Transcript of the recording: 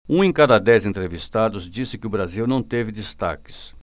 um em cada dez entrevistados disse que o brasil não teve destaques